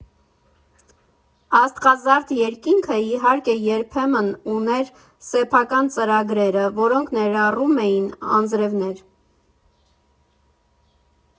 Աստղազարդ երկինքը, իհարկե, երբեմն ուներ սեփական ծրագրերը, որոնք ներառում էին անձրևներ։